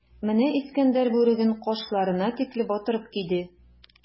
Менә Искәндәр бүреген кашларына тикле батырып киде.